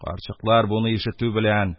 Карчыклар буны ишетү берлән: